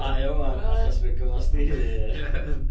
Mae o 'wan, achos mae'n ghost ei hun.